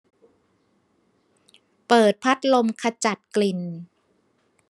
เปิดพัดลมขจัดกลิ่น